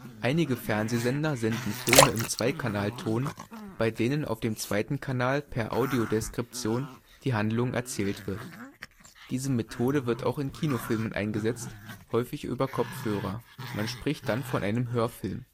Einige Fernsehsender senden Filme im Zweikanalton, bei denen auf dem zweiten Kanal per Audiodeskription die Handlung erzählt wird. Diese Methode wird auch in Kinofilmen eingesetzt, häufig über Kopfhörer, man spricht dann von einem Hörfilm